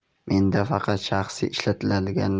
menda faqat shaxsiy ishlatiladigan